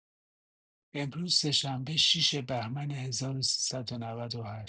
امروز سه‌شنبه ۶ بهمن ۱۳۹۸